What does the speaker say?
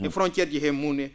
e frontiére ji hee mun hee